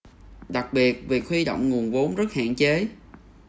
đặc biệt việc huy động nguồn vốn rất hạn chế